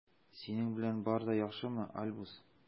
Синең белән бар да яхшымы, Альбус?